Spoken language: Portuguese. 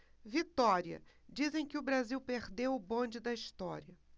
vitória dizem que o brasil perdeu o bonde da história